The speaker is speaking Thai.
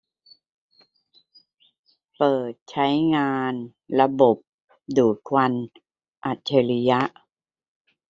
เปิดใช้งานระบบดูดควันอัจฉริยะ